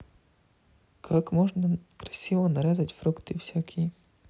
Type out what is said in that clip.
как можно красиво нарезать фрукты всякие